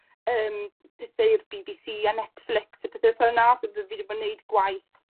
yym pethe i'r Bee Bee See a Netflix a pethe ffel 'na so by- fi 'di bo' yn neud gwaith